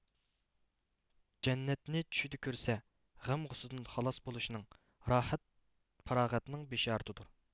جەننەتنى چۈشىدە كۆرسە غەم غۇسسىدىن خالاس بولۇشنىڭ راھەت پاراغەتنىڭ بىشارىتىدۇر